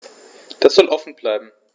Das soll offen bleiben.